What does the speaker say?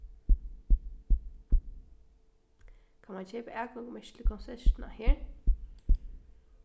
kann mann keypa atgongumerki til konsertina her